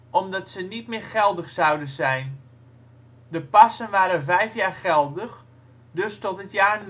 omdat ze niet meer geldig zouden zijn. De passen waren vijf jaar geldig, dus tot het jaar